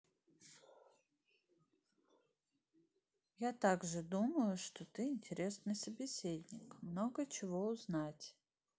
я также думаю что ты интересный собеседник много чего узнать